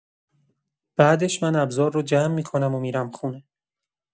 بعدش من ابزارها رو جمع می‌کنم و می‌رم خونه.